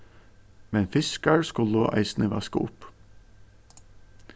men fiskar skulu eisini vaska upp